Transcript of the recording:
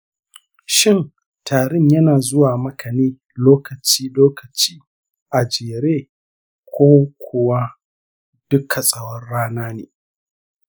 shin tarin yana zuwa maka ne lokaci-lokaci a jere ko kuwa duka tsawon rana ne?